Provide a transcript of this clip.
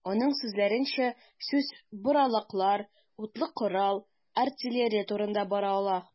Аның сүзләренчә, сүз боралаклар, утлы корал, артиллерия турында бара ала.